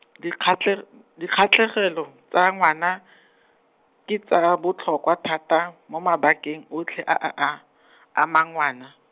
dikgatle- , dikgatlhegelo tsa ngwana , ke tsa botlhokwa thata mo mabakeng otlhe a a a , amang ngwana.